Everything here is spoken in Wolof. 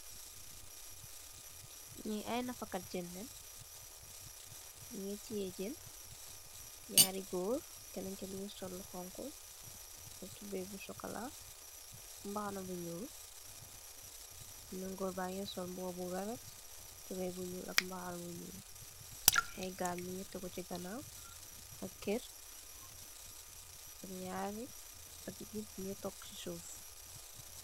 Ñii ay nappa kat i jëën lañ, ñu ngi tiye jën, kenen ki mu ngi sol lu xoñxu, tubooy bu sokolaa, mbaxana bu ñuul, góor baa ngi sol mbuba bu "violer", tubooy bu ñuul ak mbaxana, bu ñuul, ay gaal ñu ngi toopu ci ganaawam, ak kér, ak ñaari, nit ñu ngi toog si suuf,